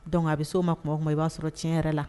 Dɔnku a bɛ so o ma kuma kɔnɔ i b'a sɔrɔ ci yɛrɛ la